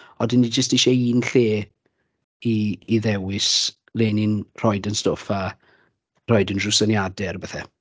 Ond dan ni jyst isie un lle i i ddewis le 'y ni'n rhoid ein stwff, a rhoid unrhyw syniadau a ryw bethe.